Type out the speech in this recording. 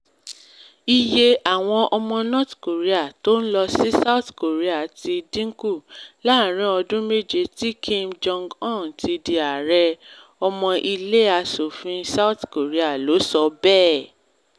Iye àwọn ọmọ North korea t’ọ́n lọ si South Korea ti dínkù láàrin ọdún méje tí Kim Jong-un ti di ààrẹ. Ọmọ ile-aṣòfin South Korea ló sọ bẹ́ẹ̀.